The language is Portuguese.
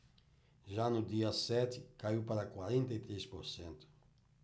já no dia sete caiu para quarenta e três por cento